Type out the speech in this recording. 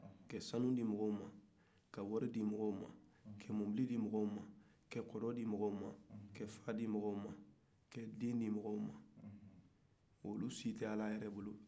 ka sanu di mɔgɔw ma ka wari di mɔgɔw ma ka mobili di mɔgɔw ma ka kɔrɔ di mɔgɔw ma ka fa di mɔgɔw ma ka den di mɔgɔw ma nga olu si tɛ ala bolo